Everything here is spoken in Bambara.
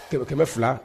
Kɛmɛ fila